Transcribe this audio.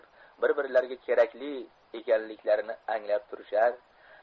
bir birlariga kerakli ekanliklarini anglab turishar